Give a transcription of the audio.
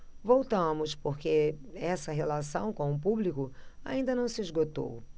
voltamos porque essa relação com o público ainda não se esgotou